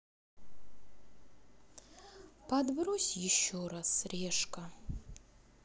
подбрось еще раз решка